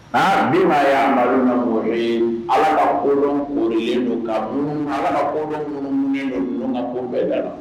Aa min y'a amadu namo ye ala ka kodɔn korolen don ka ala kodɔnumum don ka ko bɛɛ la la